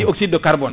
et oxyde de carbonne